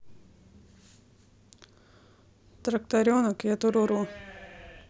тракторенок я туруру